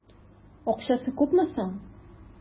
Акчасы күпме соң?